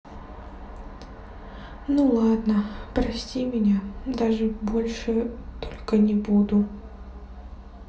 ну ладно прости меня даже больше только не буду